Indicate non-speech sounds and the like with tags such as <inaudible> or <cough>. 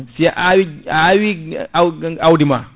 si a awi awi g <hesitation> awdi awdi ma